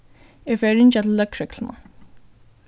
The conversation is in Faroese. eg fari at ringja til løgregluna